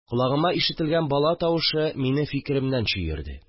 Колагыма ишетелгән бала тавышы мине фикеремнән чөерде